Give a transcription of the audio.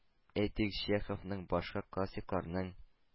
Әйтик, Чеховның, башка классикларның